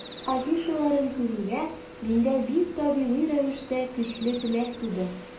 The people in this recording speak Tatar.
Афишаларын күрүгә, миндә бик табигый рәвештә көчле теләк туды.